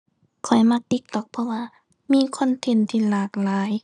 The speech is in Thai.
ข้อยมัก TikTok เพราะว่ามีคอนเทนต์ที่หลากหลาย